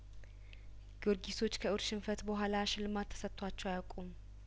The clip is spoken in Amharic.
ጊዮርጊሶች ከእሁድ ሽንፈት በኋላ ሽልማት ተሰቷቸው አያውቁም